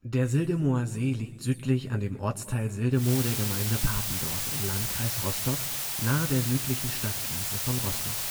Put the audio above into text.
Der Sildemower See liegt südlich an dem Ortsteil Sildemow der Gemeinde Papendorf im Landkreis Rostock nahe der südlichen Stadtgrenze von Rostock